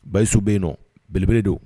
Bayisu be yennɔ belebele don